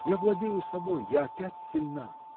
Я владею собой, я опять сильна!